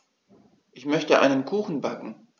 Ich möchte einen Kuchen backen.